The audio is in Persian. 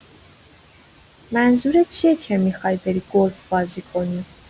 منظورت چیه که می‌خوای بری گلف بازی کنی؟